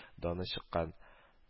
Даны чыккан